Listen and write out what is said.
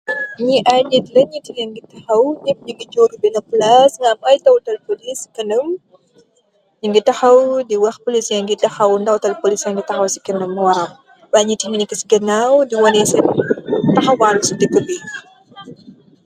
Ñii ay nit lañg, nit ñaa ngi taxaw, ñeep ñu gi jooru beenë palaas. Ndawtal paliis si kanam. Ñu ngi taxaw di wax, paliis yaa ngi taxaw, ndawal paliis yaa ngi taxaw, si kanam waaw, waay nt ñaa ngi neekë si ganaaw, di wane séén taxawaalu si dëëkë bi.